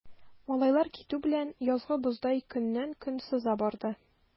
Малайлар китү белән, язгы боздай көннән-көн сыза барды.